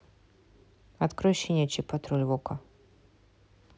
открой щенячий патруль в окко